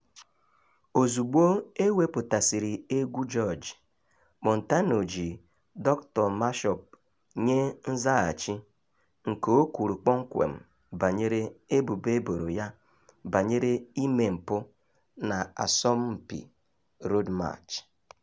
Ozugbo e wepụtasịrị egwu George, Montano ji "Dr. Mashup" nye nzaghachi , nke o kwuru kpọmkwem banyere ebubo e boro ya banyere ime mpụ n'asọmpị Road March.